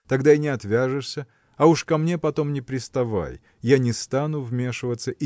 тогда и не отвяжешься, а уж ко мне потом не приставай я не стану вмешиваться